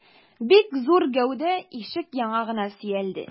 Бик зур гәүдә ишек яңагына сөялде.